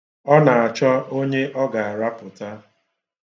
Ọ na-achọ onye ọ ga-arapụta.